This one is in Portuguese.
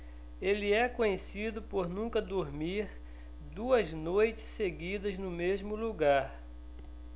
ele é conhecido por nunca dormir duas noites seguidas no mesmo lugar